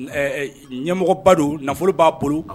Ɛɛ ɲɛmɔgɔba don nafolo b'a bolo